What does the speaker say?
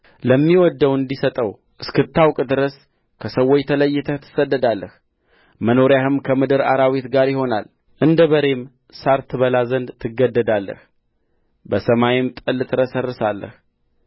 ለሚወድደውም እንዲሰጠው እስክታውቅ ድረስ ከሰዎች ተለይተህ ትሰደዳለህ መኖሪያህም ከምድር አራዊት ጋር ይሆናል እንደ በሬም ሣር ትበላ ዘንድ ትገደዳለህ በሰማይም ጠል ትረሰርሳለህ